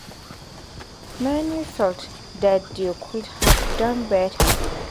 Many felt that they could have done better.